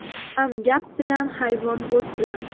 odam gap bilan hayvon o't bilan